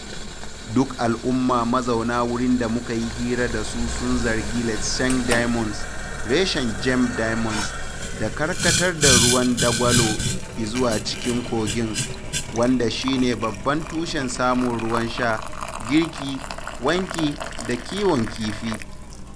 Duk al’umma mazauna wurin da muka yi hira da su sun zargi Letšeng Diamonds — reshen Gem Diamonds — da karkatar da ruwan dagwalo izuwa cikin kogin, wanda shine babban tushen samun ruwan sha, girki, wanki, da kiwon kifi.